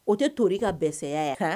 O tɛ tori ka bɛsɛya ye, haa